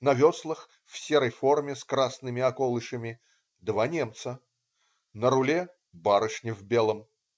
На веслах в серой форме с красными околышами-два немца. На руле-барышня в белом.